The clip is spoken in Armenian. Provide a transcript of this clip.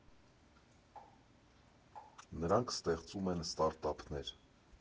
ՆՐԱՆՔ ՍՏԵՂԾՈՒՄ ԵՆ ՍՏԱՐՏԱՓՆԵՐ։